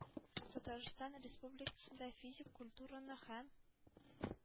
«татарстан республикасында физик культураны һәм